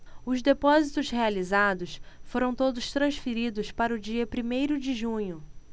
os depósitos realizados foram todos transferidos para o dia primeiro de junho